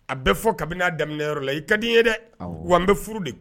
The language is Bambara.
A bɛ fɔ ka b'i n'a daminɛyɔrɔ la i ka di i ye dɛ, wa an bɛ furu de